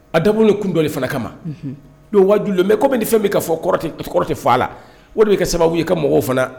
A dabo ni kun dɔli fana kama ma don wajulen mɛ kɔmi bɛ fɛn bɛ katɛ fa la o de' kɛ sababu i ka mɔgɔw fana